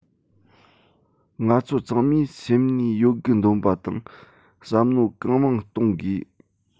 ང ཚོ ཚང མས སེམས ནུས ཡོད རྒུ འདོན པ དང བསམ མནོ གང མང གཏོང དགོས